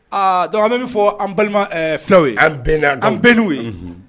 Dɔgɔ bɛ bɛ fɔ an balima fulaw ye an bɛn an bɛn' ye